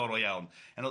iawn.